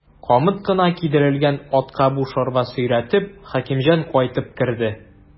Камыт кына кидерелгән атка буш арба сөйрәтеп, Хәкимҗан кайтып керде.